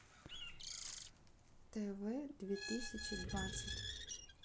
тв две тысячи двадцать